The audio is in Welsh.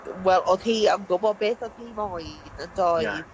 Wel oedd hi yn gwybod beth oedd hi'n moyn, yn doedd?